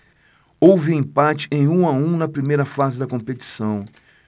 houve empate em um a um na primeira fase da competição